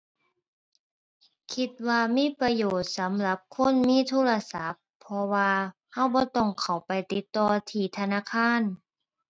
คิดว่ามีประโยชน์สำหรับคนมีโทรศัพท์ เพราะว่าเราบ่ต้องเข้าไปติดต่อที่ธนาคาร